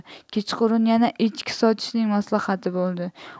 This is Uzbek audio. kechqurun yana echki sotishning maslahati bo'ldi